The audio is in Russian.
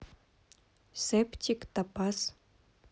септик топаз